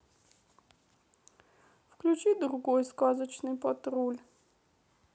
включи другой сказочный патруль